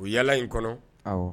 U yalala in kɔnɔ